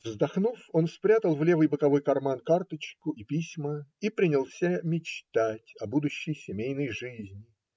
Вздохнув, он спрятал в левый боковой карман карточку и письма и принялся мечтать о будущей семейной жизни.